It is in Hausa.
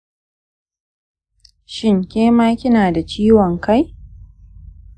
shin kema kinada ciwon-kai